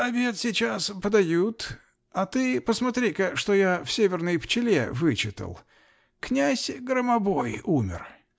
-- Обед сейчас подают, а ты посмотри-ка, что я в "Северной пчеле" вычитал. Князь Громобой умер.